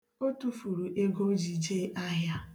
O tufuru ego o ji jee ahịa